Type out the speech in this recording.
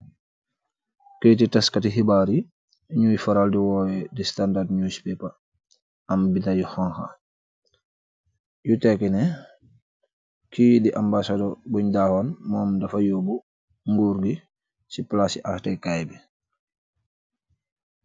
Keyti taskati xibaar yi nuy faral di woowe di standard news paper am bindayu xonxa yu tekki ne ki di ambasador bun daaxoon moom dafa yobu nguur gi ci plaase yi artekaay bi